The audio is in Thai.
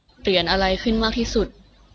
เหรียญอะไรขึ้นมากที่สุด